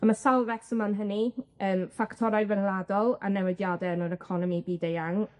A ma' sawl reswm am hynny, yym ffactorau ryngwladol a newidiade yn yr economi byd-eang,